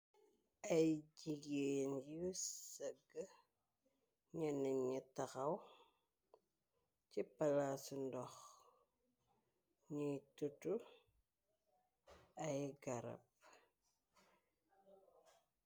Ay jigéen yu sëgg ñen ñi taxaw ci palasu ndox ñuy tutu ay garab.